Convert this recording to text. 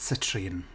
Citrine.